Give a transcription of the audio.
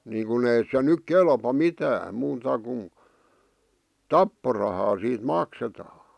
niin kuin ei se nyt kelpaa mitään muuta kuin tapporahaa siitä maksetaan